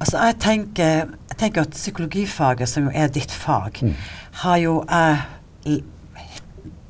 altså jeg tenker jeg tenker jo at psykologifaget som er ditt fag har jo jeg